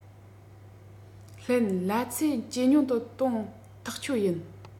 ལྷན གླ ཚད ཇེ ཉུང དུ གཏོང ཐག ཆོད ཡིན